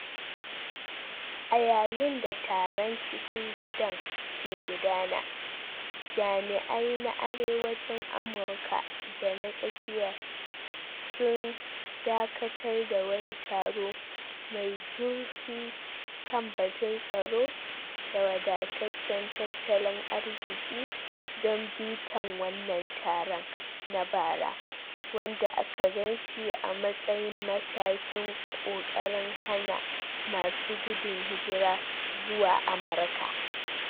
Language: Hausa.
A yayin da taron cikin gidan ke guduna, Jami'ai na Arewacin Amurka da na tsakiya sun dakatar da wani taro mai zurfi kan batun tsaro da wadataccen tattalin arziki don bitan wannan taron na bara wanda aka ganshi a matsayin matakin kokarin hana masu gudun hijirar zuwa Amurka.